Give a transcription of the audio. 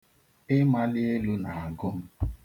Imali elu na-agụ m.